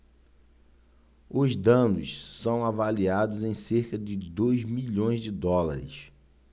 os danos são avaliados em cerca de dois milhões de dólares